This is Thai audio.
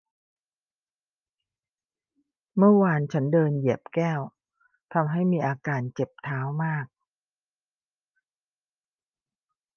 เมื่อวานฉันเดินเหยียบแก้วทำให้มีอาการเจ็บเท้ามาก